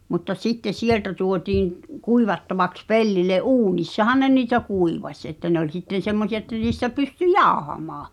mutta sitten sieltä tuotiin - kuivattavaksi pellille uunissahan ne niitä kuivasi että ne oli sitten semmoisia että niistä pystyi jauhamaan